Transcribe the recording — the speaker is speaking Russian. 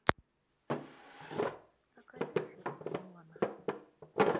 покажи фильмы нолана